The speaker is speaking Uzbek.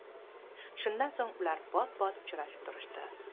shundan so'ng ular bot bot uchrashib turishdi